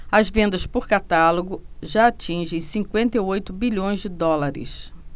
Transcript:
as vendas por catálogo já atingem cinquenta e oito bilhões de dólares